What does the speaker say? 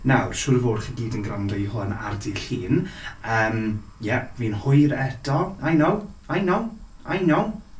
Nawr, siŵr o fod chi i gyd yn gwrando i hwn ar Dydd Llun yym ie, fi'n hwyr eto I know, I know, I know.